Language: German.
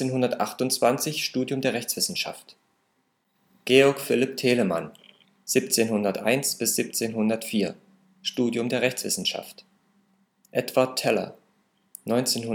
1828, Studium der Rechtswissenschaft Georg Philipp Telemann, 1701 - 1704, Studium der Rechtswissenschaft Edward Teller, 1928